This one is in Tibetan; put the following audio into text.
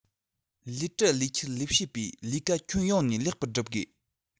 ལས བྲལ ལས འཁྱུར ལས བྱེད པའི ལས ཀ ཁྱོན ཡོངས ནས ལེགས པར བསྒྲུབ དགོས